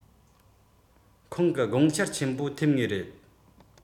ཁོང གི དགོངས འཆར ཆེན པོ ཐེབས ངེས རེད